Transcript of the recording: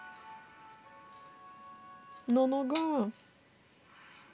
но нога